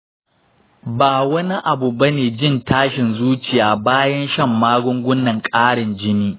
ba wani abu bane jin tashin zuciya bayan shan magunguna ƙarin jini.